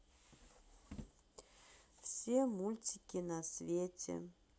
все мультики на свете